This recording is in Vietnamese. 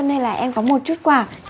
cho nên là em có một chút quà